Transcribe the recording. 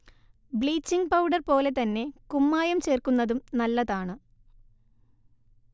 bleaching powder പോലെ തന്നെ കുമ്മായം ചേർക്കുന്നതും നല്ലതാണ്